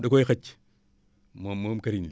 da koy xëcc moom moom këriñ li